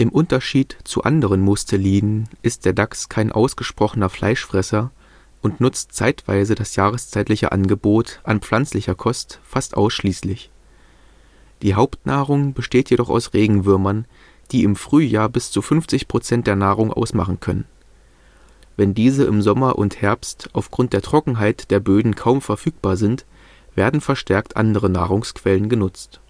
Unterschied zu anderen Musteliden ist der Dachs kein ausgesprochener Fleischfresser und nutzt zeitweise das jahreszeitliche Angebot an pflanzlicher Kost fast ausschließlich. Die Hauptnahrung besteht jedoch aus Regenwürmern, die im Frühjahr bis zu 50 % der Nahrung ausmachen können. Wenn diese im Sommer und Herbst aufgrund der Trockenheit der Böden kaum verfügbar sind, werden verstärkt andere Nahrungsquellen genutzt